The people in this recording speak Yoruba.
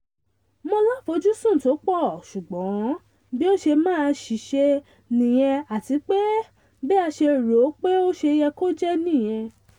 Mo láfojúsùn tó pọ̀, ṣùgbọ́n bí ó ṣe máa ṣiṣẹ́ nìyẹn àtipé bí a ṣe rò ó pé ó ṣe yẹ kó jẹ́ nìyẹn.